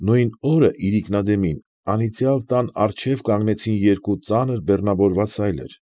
Նույն օրը իրիկնադեմին անիծյալ տան առջև կանգնեցին երկու ծանր բեռնավորված սայլեր։